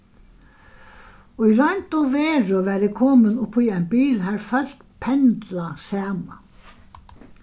í roynd og veru var eg komin upp í ein bil har fólk pendla saman